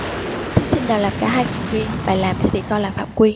thí sinh nào làm cả hai phần riêng bài làm sẽ bị coi là phạm quy